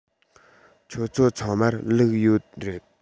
ཁྱོད ཚོ ཚང མར ལུག ཡོད རེད